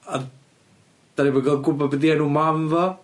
A 'dan ni'm yn ga'l gwbod be' 'di enw mam fo.